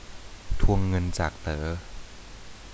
ทวงเงินจากเต๋อ